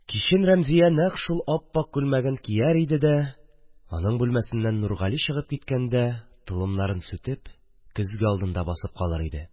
Кичен Рәмзия нәкъ шул ап-ак күлмәген кияр иде дә, аның бүлмәсеннән Нургали чыгып киткәндә толымнарын сүтеп көзге алдында басып калыр иде